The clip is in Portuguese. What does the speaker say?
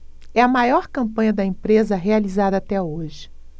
é a maior campanha da empresa realizada até hoje